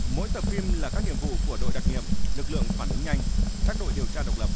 mỗi tập phim là các nhiệm vụ của đội đặc nhiệm lực lượng phản ứng nhanh các đội điều tra độc lập